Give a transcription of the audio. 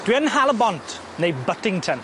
Dwi yn Nhal-y-bont neu Buttington.